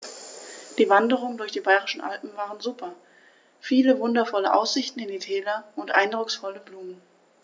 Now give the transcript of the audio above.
Die Wanderungen durch die Bayerischen Alpen waren super. Viele wundervolle Aussichten in die Täler und eindrucksvolle Blumen.